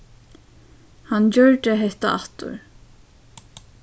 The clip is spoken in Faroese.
hann gjørdi hetta aftur